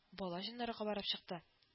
Бала җоннары кабарып чыкты